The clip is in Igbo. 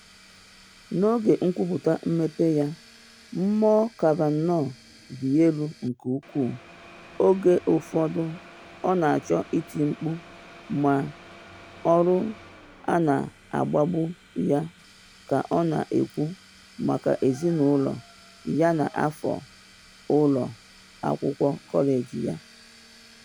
N’oge nkwupute mmepe ya, mmụọ Kavanaugh di elu nke ukwuu, oge ụfọdụ ọ na achọ iti mkpu ma olu a na agbagbu ya ka ọ na ekwu maka ezinụlọ ya yana afọ ụlọ akwụkwọ kọleji ya.